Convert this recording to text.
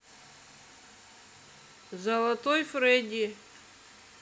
золотой фредди